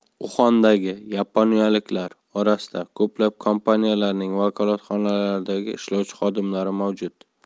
uxandagi yaponiyaliklar orasida ko'plab kompaniyalarning vakolatxonalarida ishlovchi xodimlar mavjud